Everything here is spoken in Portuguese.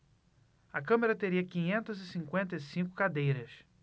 a câmara teria quinhentas e cinquenta e cinco cadeiras